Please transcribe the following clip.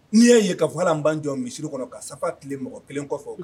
N'i y'a ye k' fɔ'lan ban jɔ misisiri kɔnɔ ka sa tile mɔgɔ kelen kɔfɛ